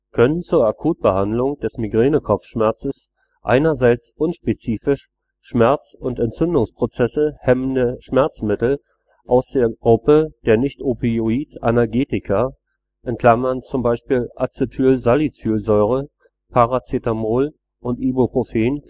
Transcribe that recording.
können zur Akutbehandlung des Migränekopfschmerzes einerseits unspezifisch Schmerz - und Entzündungsprozesse hemmende Schmerzmittel aus der Gruppe der Nichtopioid-Analgetika (zum Beispiel Acetylsalicylsäure, Paracetamol und Ibuprofen